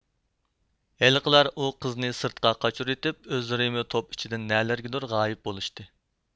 ھېلىقىلار ئۇ قىزنى سىرتقا قاچۇرۇۋېتىپ ئۆزلىرىمۇ توپ ئىچىدىن نەلەرگىدۇر غايىب بولۇشتى